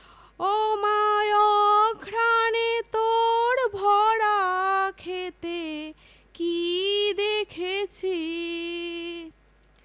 ওমা অঘ্রানে তোর ভরা ক্ষেতে কী দেখেছি